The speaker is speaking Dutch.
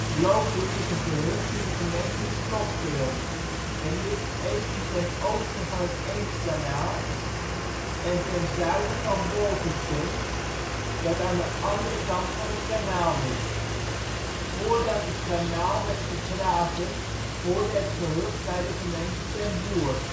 Blokum is een gehucht in de gemeente Slochteren. Het ligt even ten oosten van het Eemskanaal, ven ten zuiden van Woltersum dat aan de andere kant van het kanaal ligt. Voordat het kanaal werd gegraven hoorde het gehucht bij de gemeente Ten Boer